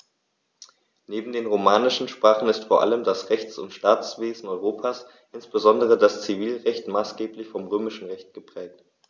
Neben den romanischen Sprachen ist vor allem das Rechts- und Staatswesen Europas, insbesondere das Zivilrecht, maßgeblich vom Römischen Recht geprägt.